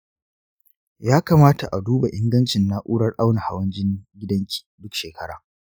ya kamata a duba ingancin na’urar auna hawan jinin gidanki duk shekara.